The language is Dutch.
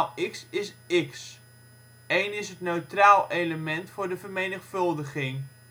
= x (1 is het neutraal element voor de vermenigvuldiging